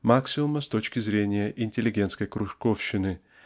максимума с точки зрения интеллигентской кружковщины